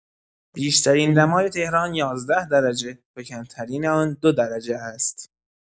بیشترین دمای تهران ۱۱ درجه و کم‌ترین آن ۲ درجه است.